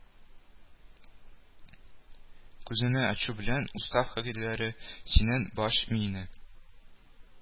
Күзеңне ачу белән устав кагыйдәләре синең баш миеңә